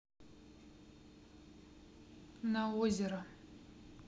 на озеро